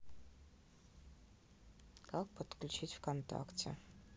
как подключить вконтакте